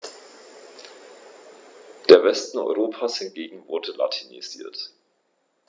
Der Westen Europas hingegen wurde latinisiert.